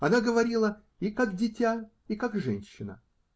Она говорила и как дитя, и как женщина.